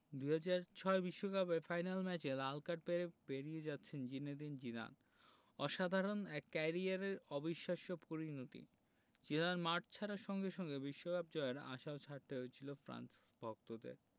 ২০০৬ বিশ্বকাপের ফাইনাল ম্যাচে লাল কার্ড পেয়ে বেরিয়ে যাচ্ছেন জিনেদিন জিদান অসাধারণ এক ক্যারিয়ারের অবিশ্বাস্য পরিণতি জিদান মাঠ ছাড়ার সঙ্গে সঙ্গে বিশ্বকাপ জয়ের আশাও ছাড়তে হয়েছিল ফ্রান্স ভক্তদের